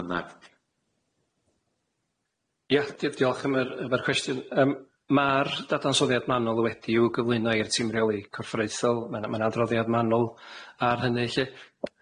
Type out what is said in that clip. bynnag? a di- dioch am yr efo'r cwestiwn yym ma'r dadansoddiad manwl wedi i'w gyflwyno i'r tîm rili corfforaethol ma' na ma' na ddroddiad manwl ar hynny lly,